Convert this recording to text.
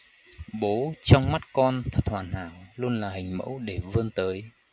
bố trong mắt con thật hoàn hảo luôn là hình mẫu để vươn tới